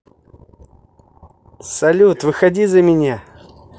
салют выходи за меня